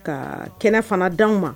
Ka kɛnɛ fana d'anw ma.